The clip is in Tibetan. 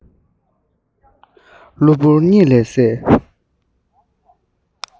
གླུ བུར གཉིད ལས སད